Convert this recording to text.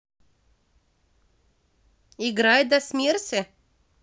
играй до смерти